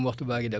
noonu la